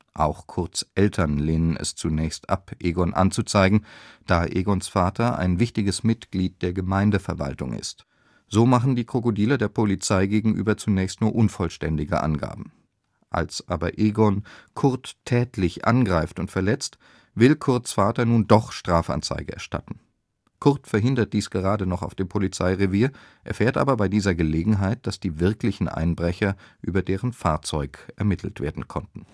Auch Kurts Eltern lehnen es zunächst ab, Egon anzuzeigen, da Egons Vater ein wichtiges Mitglied der Gemeindeverwaltung ist. So machen die Krokodiler der Polizei gegenüber zunächst nur unvollständige Angaben. Als aber Egon Kurt tätlich angreift und verletzt, will Kurts Vater nun doch Strafanzeige erstatten. Kurt verhindert dies gerade noch auf dem Polizeirevier, erfährt aber bei dieser Gelegenheit, dass die wirklichen Einbrecher über deren Fahrzeug ermittelt werden konnten